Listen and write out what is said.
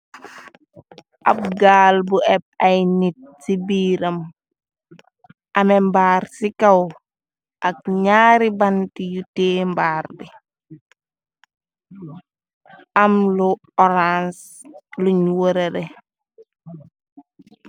Ab gaal bu épp ay nit ci biiram , amémbaar ci kaw ak ñaari banti yu tée mbaar bi , am lu orang luñ wërale.